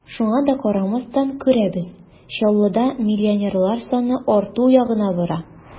Шуңа да карамастан, күрәбез: Чаллыда миллионерлар саны арту ягына бара.